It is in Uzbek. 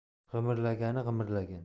g'imirlagani g'imirlagan